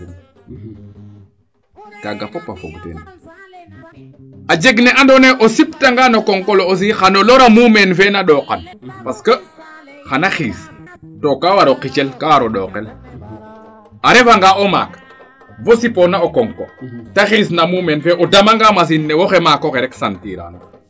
kaaga fop a fog teen a jeg nee ando naye o sip ta ngaan o konko le aussi xano lora mumeen fee na ɗokan parce que xana xiis to ka war xicel kaa waro ɗokeel a refa nga o maak bo sipoona o konko te xiis na mumeen fee o dama nga machine ne wo fe maako xe rek sentir aano